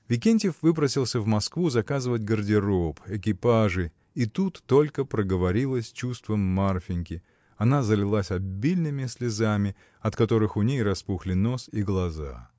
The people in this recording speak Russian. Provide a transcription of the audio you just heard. Викентьев выпросился в Москву заказывать гардероб, экипажи — и тут только проговорилось чувство Марфиньки: она залилась обильными слезами, от которых у ней распухли нос и глаза.